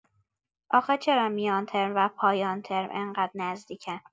آخه چرا میان‌ترم و پایان‌ترم انقدر نزدیکن؟